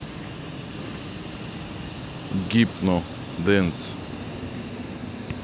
гипно денс